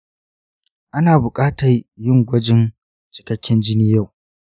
ana bukatan yin gwajin cikekken jini yau.